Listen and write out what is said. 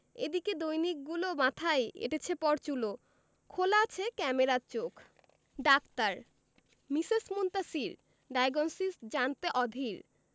এদিকে দৈনিকগুলো মাথায় এঁটেছে পরচুলো খোলা আছে ক্যামেরার চোখ ডাক্তার মিসেস মুনতাসীর ডায়োগনসিস জানতে অধীর